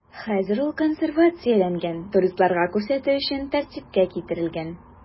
Хәзер ул консервацияләнгән, туристларга күрсәтү өчен тәртипкә китерелгән.